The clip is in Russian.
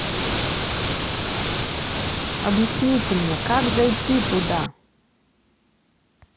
объясните мне как зайти туда